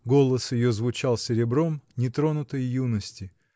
голос ее звучал серебром нетронутой юности